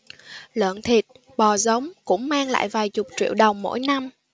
lợn thịt bò giống cũng mang lại vài chục triệu đồng mỗi năm